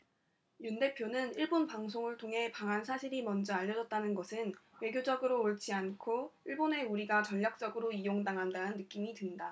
윤 대표는 일본 방송을 통해 방한 사실이 먼저 알려졌다는 것은 외교적으로 옳지 않고 일본에 우리가 전략적으로 이용당한다는 느낌이 든다